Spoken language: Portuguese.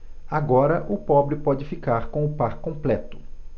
agora o pobre pode ficar com o par completo